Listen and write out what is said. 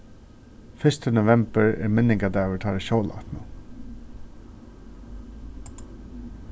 fyrsti novembur er minningardagur teirra sjólátnu